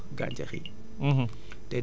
ñoom ñoo koy joxgàncax yi